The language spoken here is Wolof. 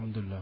alxamdulilaa